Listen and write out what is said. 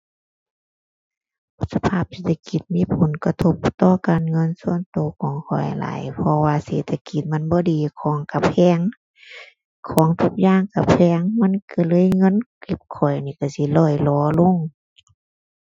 สภาพเศรษฐกิจมีผลกระทบต่อการเงินส่วนตัวของข้อยหลาย เพราะว่าเศรษฐกิจมันบ่ดี ของตัวแพง ของทุกอย่างตัวแพง มันตัวเลยเงินเก็บข้อยนี่ตัวสิร่อยหรอลง